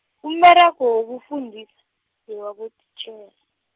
umberego wokufundisa, ngewabotitjhel-.